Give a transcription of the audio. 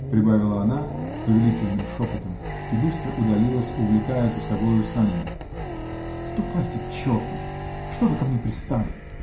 -- прибавила она повелительным шепотом -- и быстро удалилась, увлекая за собою Санина. -- Ступайте к черту! Что вы ко мне пристали?